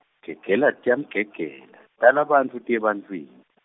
gegela tiyamgegela, tala bantfu tiye ebantfwini.